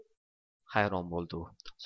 hayron bo'ldi u